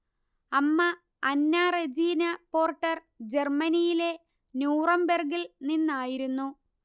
അമ്മ Anna Regina Porter ജർമ്മനിയിലെ ന്യൂറംബർഗ്ഗിൽ നിന്നായിരുന്നു